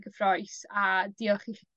gyffrous a diolch